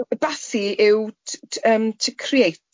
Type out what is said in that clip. Yy bathu yw t- t- yym to create.